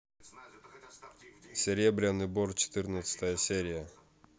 серебряный бор четырнадцатая серия